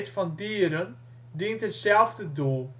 van dieren dient hetzelfde doel